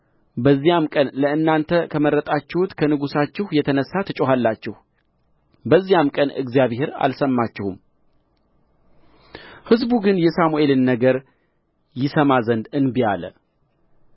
በዚያም ቀን ለእናንተ ከመረጣችሁት ከንጉሣችሁ የተነሣ ትጮኻላችሁ በዚያም ቀን እግዚአብሔር አልሰማችሁም ሕዝቡ ግን የሳሙኤልን ነገር ይሰማ ዘንድ እንቢ አለ